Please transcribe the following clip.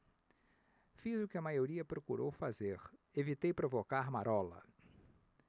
fiz o que a maioria procurou fazer evitei provocar marola